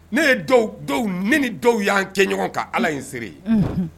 Ne ye dɔw ni dɔw y'an kɛ ɲɔgɔn ka ala in siri ye